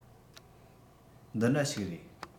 འདི འདྲ ཞིག རེད